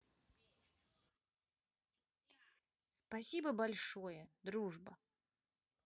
спасибо большое дружба